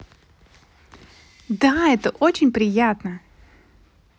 да это очень приятно